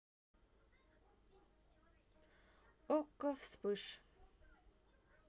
окко вспыш